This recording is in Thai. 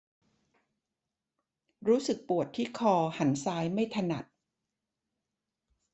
รู้สึกปวดที่คอหันซ้ายไม่ถนัด